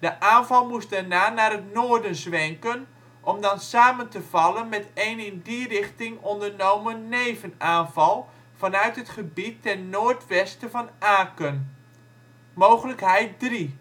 De aanval moest daarna naar het noorden zwenken om dan samen te vallen met een in die richting ondernomen nevenaanval vanuit het gebied ten noordwesten van Aken. Mogelijkheid 3